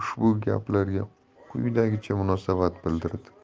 ushbu gaplarga quyidagicha munosabat bildirdi